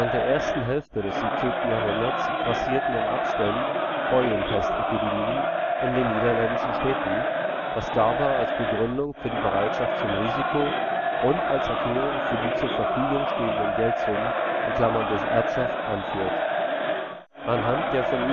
der ersten Hälfte des 17. Jahrhunderts grassierten in Abständen Beulenpestepidemien in den niederländischen Städten, was Garber als Begründung für die Bereitschaft zum Risiko und als Erklärung für die zur Verfügung stehenden Geldsummen (durch Erbschaft) anführt. Anhand der von